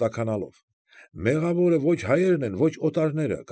Տաքանալով,֊ մեղավորը ոչ հայերն են, ոչ օտարները։